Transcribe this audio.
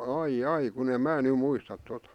ai ai kun en minä nyt muista tuota